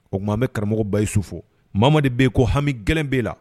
O tuma an bɛ karamɔgɔ bayisu fo mama de bɛ yen ko hami gɛlɛn b' la